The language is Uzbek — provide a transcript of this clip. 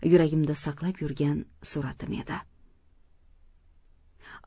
yuragimda saqlab yurgan suratim edi